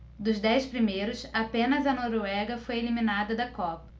dos dez primeiros apenas a noruega foi eliminada da copa